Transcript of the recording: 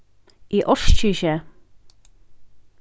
eg orki ikki